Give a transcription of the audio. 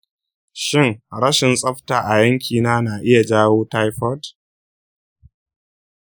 shin rashin tsafta a yankina na iya jawo taifoid?